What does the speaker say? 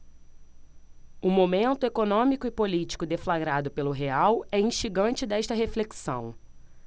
o momento econômico e político deflagrado pelo real é instigante desta reflexão